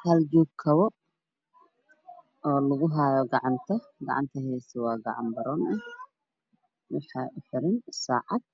Hal joog kabo ah oo lagu hayo gacanta gacanta way .aran tahay saacad